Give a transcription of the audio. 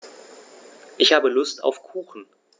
Ich habe Lust auf Kuchen.